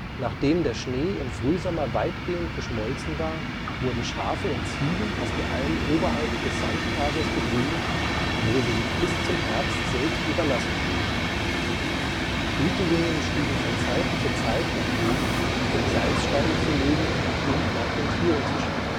Nachdem der Schnee im Frühsommer weitgehend geschmolzen war, wurden Schafe und Ziegen auf die Alm oberhalb des Sandkasers getrieben, wo sie sich bis zum Herbst selbst überlassen blieben. Hütejungen stiegen von Zeit zu Zeit nach oben, um Salzsteine zu legen und nach den Tieren zu schauen